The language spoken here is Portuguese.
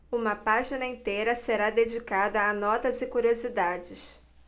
uma página inteira será dedicada a notas e curiosidades